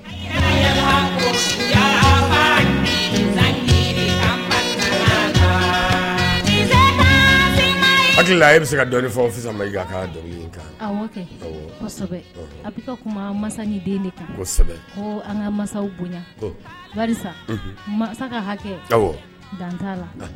A bɛ se ka dɔnkili an ka